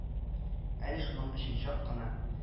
Әле шуның өчен чак кына